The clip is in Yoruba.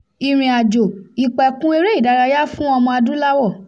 Ìrìn-àjò: Ìpẹ̀kun eré-ìdárayá fún Ọmọ-adúláwọ̀